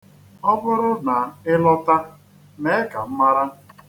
Ọ bụrụ na ị lọta, mee ka m mara.